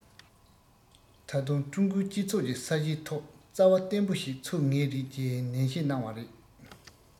ད དུང ཀྲུང གོའི སྤྱི ཚོགས ཀྱི ས གཞིའི ཐོག རྩ བ བརྟན པོ ཞིག ཚུགས ངེས རེད ཅེས ནན བཤད གནང བ རེད